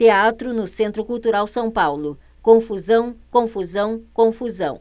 teatro no centro cultural são paulo confusão confusão confusão